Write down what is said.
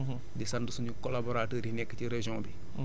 ak liggéey bi yëpp daal ñu ngi ko ciy sant bu baax